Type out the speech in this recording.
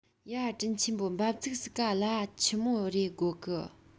ཡ དྲིན ཆེན པོ འབབ ཚིགས ཟིག ག གླ ཆི མོ རེ དགོ གི